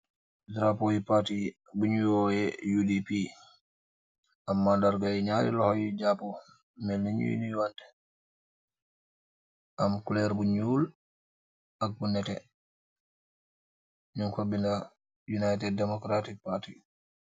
Drapooi party bu nyu woweh UDP am mandarrga nyarri loho yui jaapoo melni nyui nuyu wanteh am kulerr bu nyuul ak bu netteh nyungfa binda United Democratic Party.